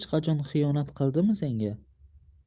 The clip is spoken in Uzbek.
qachon xiyonat qildimi senga